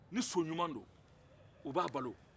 ni so ɲuman don u b'a bolo